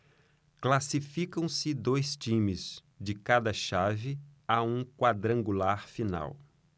classificam-se dois times de cada chave a um quadrangular final